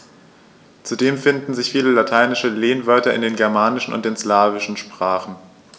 Zudem finden sich viele lateinische Lehnwörter in den germanischen und den slawischen Sprachen.